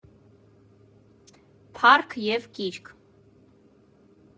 Փառք և կիրք։